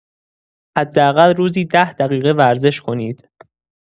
حداقل روزی ۱۰ دقیقه ورزش کنید.